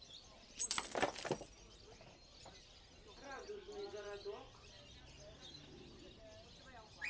радужный городок